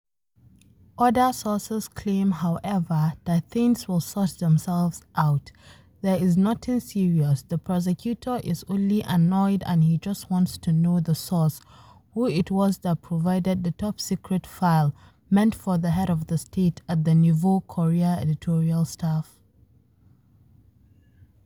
Other sources claim however that things will sort themselves out, “there is nothing serious, the Prosecutor is only annoyed and he just wants to know the source, who it was that provided the top-secret file meant for the head of the state, at the Nouveau Courrier editorial staff.